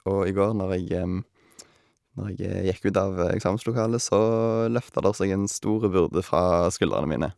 Og i går når jeg når jeg gikk ut av eksamenslokalet, så løfta der seg en stor byrde fra skuldrene mine.